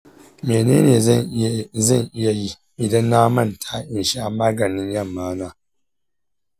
menene zan iya yi idan na manta in sha maganin yama na?